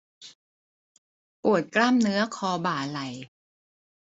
ปวดกล้ามเนื้อคอบ่าไหล่